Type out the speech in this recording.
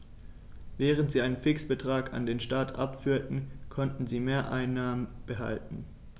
Während sie einen Fixbetrag an den Staat abführten, konnten sie Mehreinnahmen behalten.